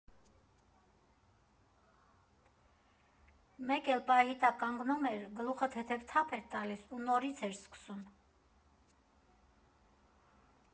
Մեկ էլ պահի տակ կանգնում էր, գլուխը թեթև թափ էր տալիս ու նորից էր սկսում։